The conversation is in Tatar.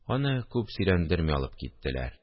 Аны күп сөйләндерми алып киттеләр